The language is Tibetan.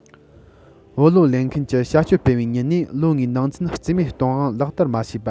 བུ ལོན ལེན མཁན གྱི བྱ སྤྱོད སྤེལ བའི ཉིན ནས ལོ ལྔའི ནང ཚུན རྩིས མེད གཏོང དབང ལག བསྟར མ བྱས པ